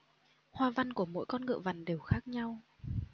hoa văn của mỗi con ngựa vằn đều khác nhau